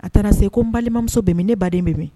A taara se ko n balimamuso bɛ min? Ne balimamuso bɛ min?